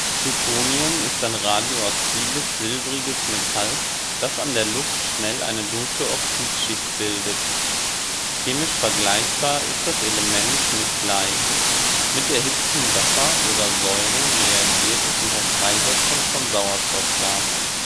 Plutonium ist ein radioaktives, silbriges Metall, das an der Luft schnell eine dunkle Oxidschicht bildet. Chemisch vergleichbar ist das Element mit Blei. Mit erhitztem Wasser oder Säuren reagiert es unter Freisetzung von Wasserstoffgas